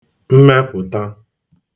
mmepụ̀t̀a